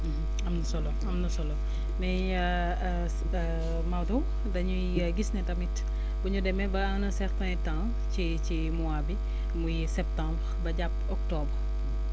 am na solo am na solo mais Maodo dañuy gis ne tamit bu ñu demee ba en un certain temps ci ci mois bi muy septembre ba jàpp octobre